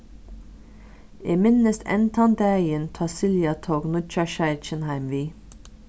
eg minnist enn tann dagin tá silja tók nýggja sjeikin heim við